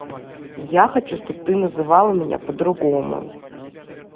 я хочу чтобы ты назвала меня по другому